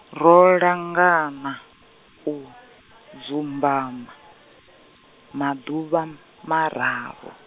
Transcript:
ro langana, u, dzumbama, maḓuvha mararu.